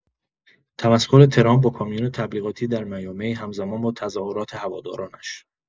تمسخر ترامپ با کامیون تبلیغاتی در میامی همزمان با تظاهرات هوادارانش